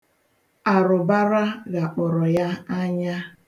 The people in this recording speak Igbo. Arụbara ghakpọrọ ya anya.